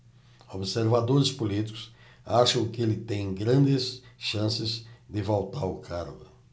observadores políticos acham que ele tem grandes chances de voltar ao cargo